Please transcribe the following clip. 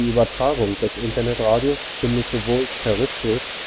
Übertragung des Internetradios findet sowohl terrestrisch